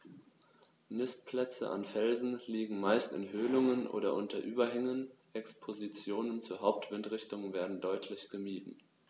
Nistplätze an Felsen liegen meist in Höhlungen oder unter Überhängen, Expositionen zur Hauptwindrichtung werden deutlich gemieden.